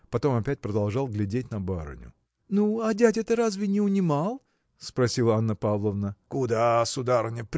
потом опять продолжал глядеть на барыню. – Ну, а дядя-то разве не унимал? – спросила Анна Павловна. – Куда, сударыня!